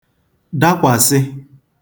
dakwàsị